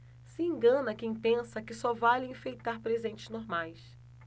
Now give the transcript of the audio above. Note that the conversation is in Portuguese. se engana quem pensa que só vale enfeitar presentes normais